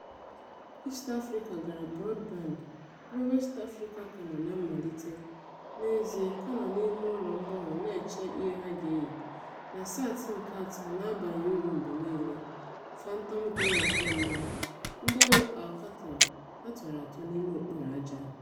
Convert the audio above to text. East Africa gara brọdband… ebe West Africa ka nọ na mmalite (n'ezie, ka nọ n'imeụlọ mgbanwe na-eche ihe ha ga-eyi) na SAT3 na-abaghị uru mgbe niile, phantom Glo1 (ndịọrụ Alcatel ha tọrọ atọ n'okpuru ájá?)